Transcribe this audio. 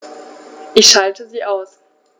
Ich schalte sie aus.